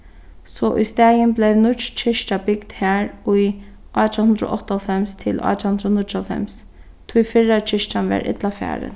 so ístaðin bleiv nýggj kirkja bygd har í átjan hundrað og áttaoghálvfems til átjan hundrað og níggjuoghálvfems tí fyrra kirkjan var illa farin